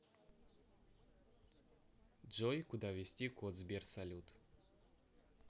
джой куда ввести код сбер салют